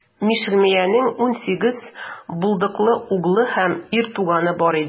Мешелемиянең унсигез булдыклы углы һәм ир туганы бар иде.